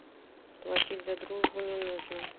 платить за дружбу не нужно